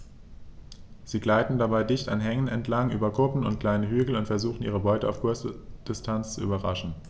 Sie gleiten dabei dicht an Hängen entlang, über Kuppen und kleine Hügel und versuchen ihre Beute auf kurze Distanz zu überraschen.